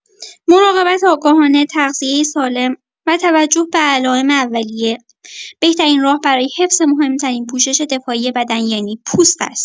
مراقبت آگاهانه، تغذیه سالم و توجه به علائم اولیه، بهترین راه برای حفظ مهم‌ترین پوشش دفاعی بدن یعنی پوست است.